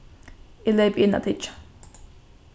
eg leypi inn at hyggja